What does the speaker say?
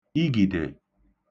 igìdè